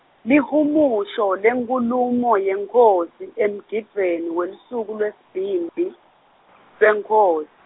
Lihumusho, lenkhulumo yenkhosi emgidvweni welusuku lwesibhimbi, lwenkhosi.